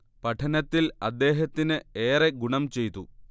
പഠനത്തിൽ അദ്ദേഹത്തിന് ഏറെ ഗുണം ചെയ്തു